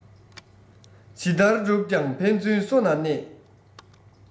ཇི ལྟར བསྒྲུབས ཀྱང ཕན ཚུན སོ ན གནས